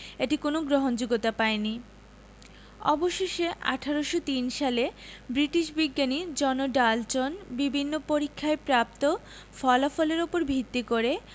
এটি কোনো গ্রহণযোগ্যতা পায়নি অবশেষে ১৮০৩ সালে ব্রিটিশ বিজ্ঞানী জন ডাল্টন বিভিন্ন পরীক্ষায় প্রাপ্ত ফলাফলের উপর ভিত্তি করে